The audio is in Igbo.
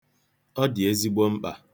Ọ dị ezigbo mkpa.